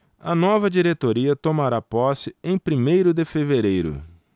a nova diretoria tomará posse em primeiro de fevereiro